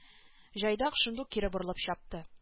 Җайдак шундук кире борылып чапты